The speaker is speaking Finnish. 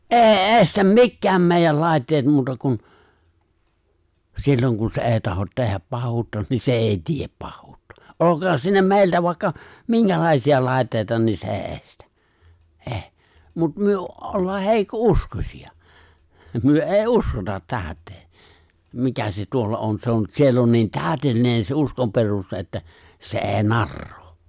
ei estä mitkään meidän laitteet muuta kuin silloin kun se ei tahdo tehdä pahuutta niin se ei tee pahuutta olkoon siinä meiltä vaikka minkälaisia laitteita niin se ei estä ei mutta me ollaan heikkouskoisia me ei uskota täyteen mikä se tuolla on se on siellä on niin täydellinen se uskonperuste että se ei narraa